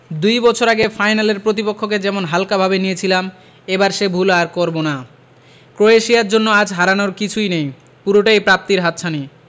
দুই বছর আগে ফাইনালের প্রতিপক্ষকে যেমন হালকাভাবে নিয়েছিলাম এবার সে ভুল আর করব না ক্রোয়েশিয়ার জন্য আজ হারানোর কিছু নেই পুরোটাই প্রাপ্তির হাতছানি